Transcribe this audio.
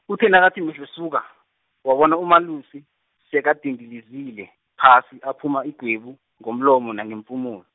uthe nakathi uthi mehlo suka, wabona uMalusi, sekadindilizile phasi aphuma igwebu, ngomlomo nangeempumulo.